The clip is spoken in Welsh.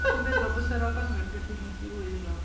Dwi'n meddwl bysa'r Albanwyr yn gallu uniaethu fwy efo...